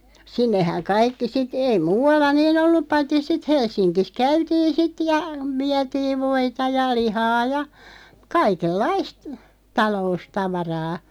sinnehän kaikki sitten ei muualla niin ollut paitsi sitten Helsingissä käytiin sitten ja vietiin voita ja lihaa ja kaikenlaista taloustavaraa